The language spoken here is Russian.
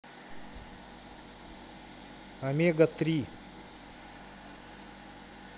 омега три